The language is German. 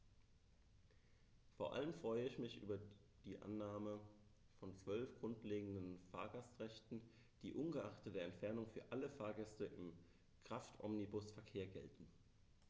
Vor allem freue ich mich über die Annahme von 12 grundlegenden Fahrgastrechten, die ungeachtet der Entfernung für alle Fahrgäste im Kraftomnibusverkehr gelten.